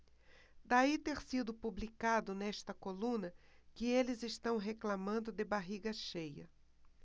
daí ter sido publicado nesta coluna que eles reclamando de barriga cheia